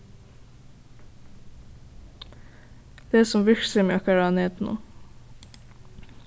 les um virksemi okkara á netinum